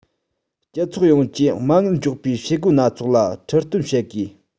སྤྱི ཚོགས ཡོངས ཀྱི མ དངུལ འཇོག པའི བྱེད སྒོ སྣ ཚོགས ལ ཁྲིད སྟོན བྱེད དགོས